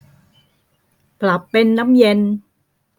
ปรับเป็นน้ำเย็น